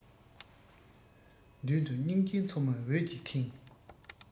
མདུན དུ སྙིང རྗེའི མཚོ མོ འོད ཀྱིས ཁེངས